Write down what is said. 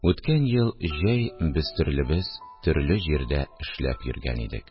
Үткән ел җәй без төрлебез төрле җирдә эшләп йөргән идек